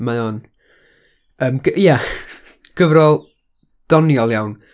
Mae o'n, yym, g- ia, gyfrol doniol iawn.